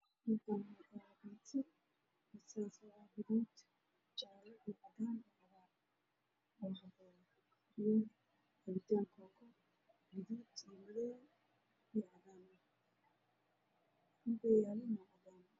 Waxaa ii muuqda biza laba xabo ah oo midabkiis yahay jaalo waxaa ag yaalla cabitaan madow ah